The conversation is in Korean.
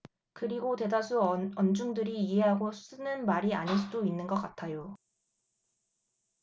그리고 대다수 언중들이 이해하고 쓰는 말이 아닐 수도 있는 것 같아요